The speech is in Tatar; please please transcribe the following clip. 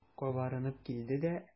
Кабарынып килде дә.